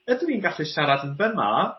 ydw i'n gallu siarad yn fyma